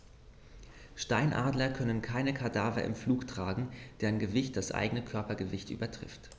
Steinadler können keine Kadaver im Flug tragen, deren Gewicht das eigene Körpergewicht übertrifft.